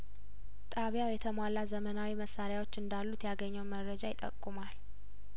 ጣቢያው የተሟላ ዘመናዊ መሳሪያዎች እንዳሉት ያገኘው መረጃ ይጠቁማል